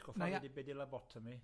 Atgoffa fi 'di be' 'di lobotomy?